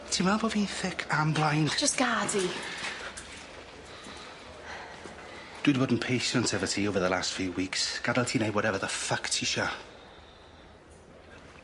Ti'n meddwl bo' fi'n thic an' blind? Jyst gad 'i. Dwi 'di bod yn patient efo ti over the last few weeks. Gadal ti neud whatever the fuck ti isio.